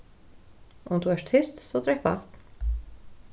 um tú ert tyst so drekk vatn